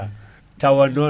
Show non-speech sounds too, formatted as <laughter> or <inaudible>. <hesitation> tawa non